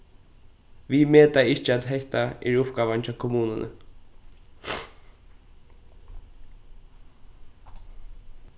vit meta ikki at hetta er uppgávan hjá kommununi